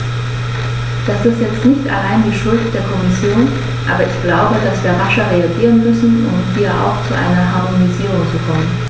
Das ist jetzt nicht allein die Schuld der Kommission, aber ich glaube, dass wir rascher reagieren müssen, um hier auch zu einer Harmonisierung zu kommen.